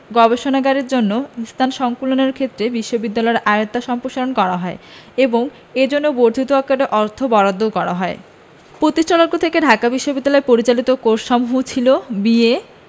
ও গবেষণাগারের জন্য স্থান সংকুলানের লক্ষ্যে বিশ্ববিদ্যালয়ের আওতা সম্প্রসারণ করা হয় এবং এজন্য বর্ধিত আকারে অর্থ বরাদ্দও করা হয় প্রতিষ্ঠালগ্ন থেকে ঢাকা বিশ্ববিদ্যালয় পরিচালিত কোর্সসমূহ ছিল বি.এ